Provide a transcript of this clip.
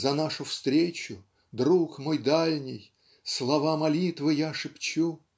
За нашу встречу, друг мой дальний, Слова молитвы я шепчу.